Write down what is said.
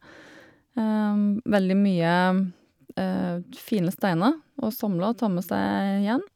Veldig mye fine steiner å samle og ta med seg hjem.